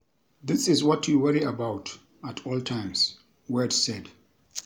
"This is what you worry about at all times," Wade said.